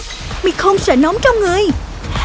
mị không sợ nóng trong người